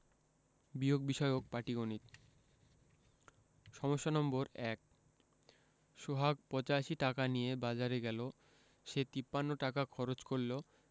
বিয়োগ বিষয়ক পাটিগনিতঃ সমস্যা নম্বর ১ সোহাগ ৮৫ টাকা নিয়ে বাজারে গেল সে ৫৩ টাকা খরচ করল